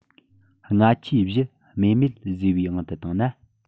ལྔ ཆའི བཞི རྨེག མེད བཟོས པའི དབང དུ བཏང ན